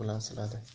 mehr bilan siladi